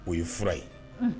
O ye fura ye Unhun